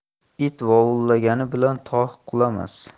it vovullagani bilan tog' qulamas